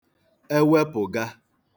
ewepụ̀ga